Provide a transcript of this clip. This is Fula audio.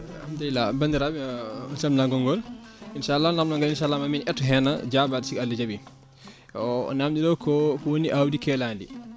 hamdulillah bandiraɓe on calminama gongol inchallah namdal ngal inchallah mami eeto hen jabade siko Allah jaaɓi o namdiɗo ko kowoni awdi keeladi